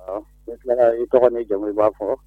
Ne tila i tɔgɔ ni jɔn i b'a fɔ